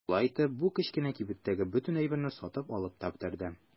Шулай итеп бу кечкенә кибеттәге бөтен әйберне сатып алып та бетерде.